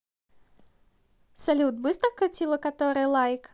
салют быстро крутила который лайк